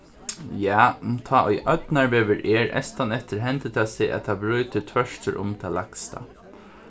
ja tá ið ódnarveður er eystaneftir hendir tað seg at tað brýtur tvørtur um tað lægsta